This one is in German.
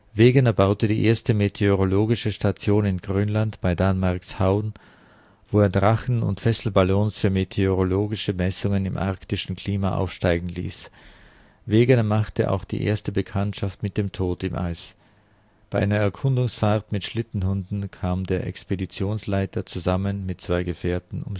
Wegener baute die erste meteorologische Station in Grönland bei Danmarkshavn, wo er Drachen und Fesselballons für meteorologische Messungen im arktischen Klima aufsteigen ließ. Wegener machte auch die erste Bekanntschaft mit dem Tod im Eis: Bei einer Erkundungsfahrt mit Schlittenhunden kam der Expeditionsleiter zusammen mit zwei Gefährten